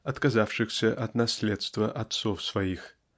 "отказавшихся от наследства отцов своих".